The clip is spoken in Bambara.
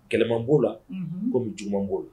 Kɛlɛman b'o la ko jman b'o la